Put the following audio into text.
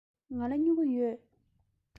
ང ལ སྨྱུ གུ ཡོད